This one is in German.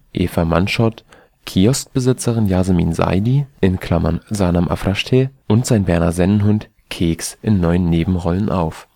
Eva Mannschott), Kioskbesitzerin Yasemin Saidi (Sanam Afrashteh) und sein Berner Sennenhund „ Keks “in neuen Nebenrollen auf